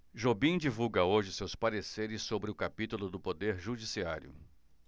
jobim divulga hoje seus pareceres sobre o capítulo do poder judiciário